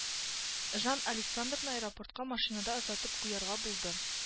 Жан александраны аэропортка машинада озатып куярга булды